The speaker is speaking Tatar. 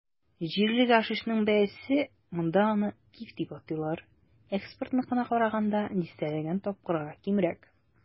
Җирле гашишның бәясе - монда аны "киф" дип атыйлар - экспортныкына караганда дистәләгән тапкырга кимрәк.